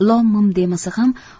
lom mim demasa ham